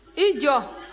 i jɔ